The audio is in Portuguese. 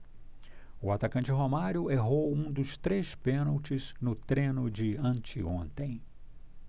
o atacante romário errou um dos três pênaltis no treino de anteontem